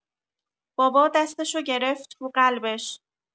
بابا دستشو گرفت رو قلبش